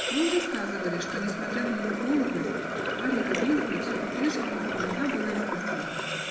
Мы уже сказывали, что, несмотря на ее холодность, Марья Гавриловна все по-прежнему окружена была искателями.